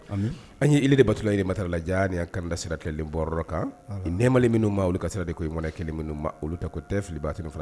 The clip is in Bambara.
, Amina, an ye i le de batula, ile de maara la, diɲaan hinɛ kanda sira kilen bɔyɔrɔ kan , ɔnhɔn , nɛma le minnu ma olu ka sira de ko kelen olu ta ko tɛ fili bancilu tɛ